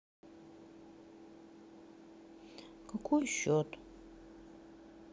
какой счет